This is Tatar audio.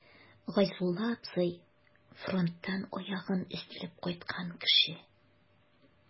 Гайзулла абый— фронттан аягын өздереп кайткан кеше.